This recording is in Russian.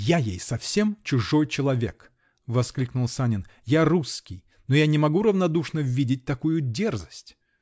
-- Я ей совсем чужой человек, -- воскликнул Санин, -- я русский, но я не могу равнодушно видеть такую дерзость